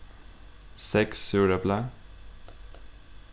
seks súrepli